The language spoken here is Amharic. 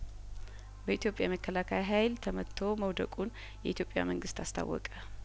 በኢትዮጵያ የመከላከያ ሀይል ተመቶ መውደቁን የኢትዮጵያ መንግስት አስታወቀ